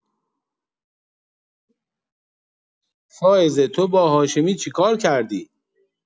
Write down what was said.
فائزه تو با هاشمی چیکار کردی؟